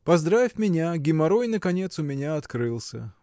Поздравь меня: геморрой наконец у меня открылся!!